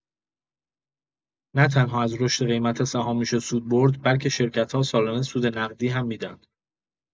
نه‌تنها از رشد قیمت سهام می‌شه سود برد، بلکه شرکت‌ها سالانه سود نقدی هم می‌دن.